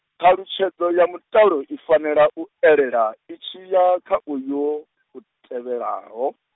ṱhalutshedzo ya mutalo i fanela u elela, itshi ya, kha uyo, u tevhelaho.